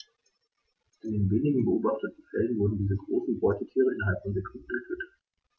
In den wenigen beobachteten Fällen wurden diese großen Beutetiere innerhalb von Sekunden getötet.